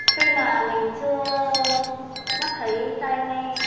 khi mà mình chưa mắt thấy tai nghe